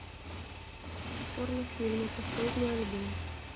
порнофильмы последний альбом